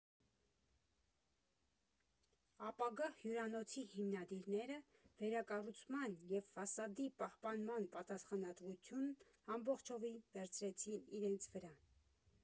Ապագա հյուրանոցի հիմնադիրները վերակառուցման և ֆասադի պահպանման պատասխանատվությունն ամբողջովին վերցրեցին իրենց վրա։